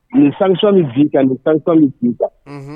Nin sanction bɛ bin tan ,nin sanction bɛ bin tan. Unhun